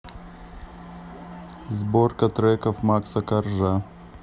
сборка треков макса коржа